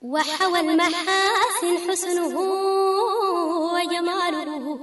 Wa wadugu